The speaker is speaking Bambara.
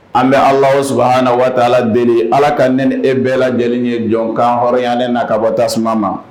An bɛ ala s na waa ala deli ala ka n e bɛɛ lajɛlen ye jɔn kan hɔrɔnyalen na ka bɔ tasuma ma